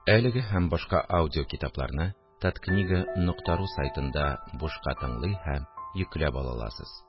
Әлеге һәм башка аудиокитапларны Таткнига нокта ру сайтында бушка тыңлый һәм йөкләп ала аласыз